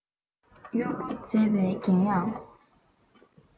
གཡུ ལོ མཛེས པས བརྒྱན ཡང